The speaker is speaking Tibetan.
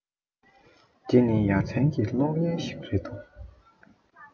འདི ནི ཡ ཚན གྱི གློག སྙན ཞིག རེད འདུག